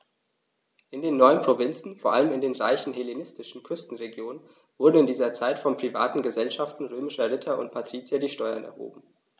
In den neuen Provinzen, vor allem in den reichen hellenistischen Küstenregionen, wurden in dieser Zeit von privaten „Gesellschaften“ römischer Ritter und Patrizier die Steuern erhoben.